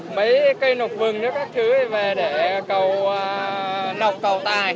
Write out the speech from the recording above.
mấy cây lộc vừng với các thứ về để cầu ờ lộc cầu tài